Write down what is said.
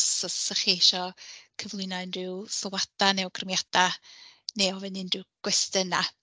Os 'sa chi isio cyflwyno unrhyw sylwadau neu awgrymiadau, neu ofyn unrhyw gwestiynau.